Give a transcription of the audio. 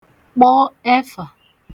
kpọ ẹfà